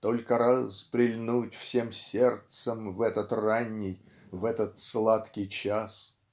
только раз прильнуть всем сердцем в этот ранний в этот сладкий час".